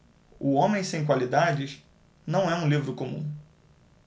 o homem sem qualidades não é um livro comum